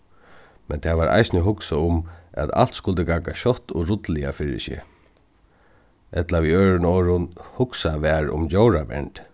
men tað varð eisini hugsað um at alt skuldi ganga skjótt og ruddiliga fyri seg ella við øðrum orðum hugsað varð um djóravernd